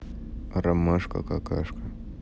ромашка какашка